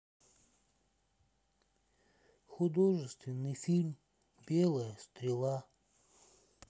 художественный фильм белая стрела